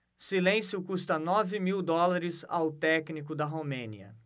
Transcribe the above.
silêncio custa nove mil dólares ao técnico da romênia